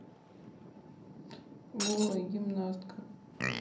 голая гимнастка